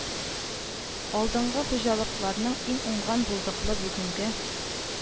Алдынгы хуҗалыкларның иң уңган, булдыклы бүгенге